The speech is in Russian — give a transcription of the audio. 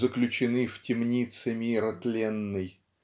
"заключены в темнице мира тленной"